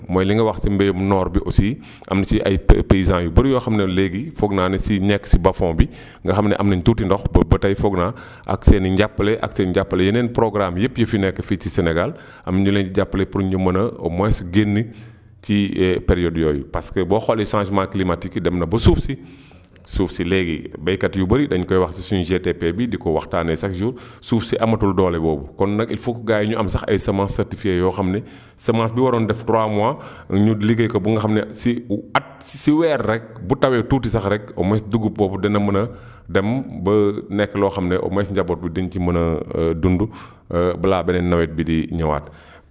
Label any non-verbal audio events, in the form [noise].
mooy li nga wax si mbayum noor bi aussi [breath] am na ci ay pay paysans yu bëri yoo xam ne léegi foog naa ne si yu nekk si basfond bi nga xam ne am nañ tuuti ndox boobu ba tey foog naa [inhales] ak seen i njàppale ak seen njàpaale yeneen programmes yépp yu fi nekk fii si Sénégal [inhales] am ñu leen di jàppale pour ñu mën a au moins génne ci [hesitation] période yooyu parce que boo xoolee changement climatique yi dem na ba suuf si suuf si léegi baykat yu bëri dañu koy wax si suñu GTP bi di ko waxtaanee chaque jour [inhales] suuf si amatul doole boobu kon nag il faut que gars yi ñu am sax ay semences certifiées yoo xam ne [inhales] semence bi waroon a def trois mois [breath] ñu liggéey ko ba nga xam ne si at si weer rekk bu tawee tuuti sax rekk au mons dugub boobu dana mën dem ba nekk loo xam ne au moins njaboot bi di nga ci mën a [hesitation] dund balaa beneen nawet bi di ñëwaat [breath]